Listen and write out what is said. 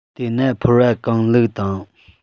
དེ ན ཕོར བ གང བླུགས དང